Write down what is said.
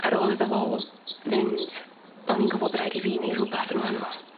Ar ôl iddo fo fynd o'n i'n gwbo bo' raid i fi neu' rwbath yn wahanol.